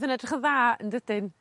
...yn edrych yn dda yndydyn?